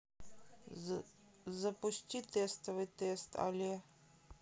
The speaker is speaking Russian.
запусти тестовый тест але